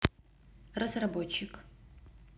разработчик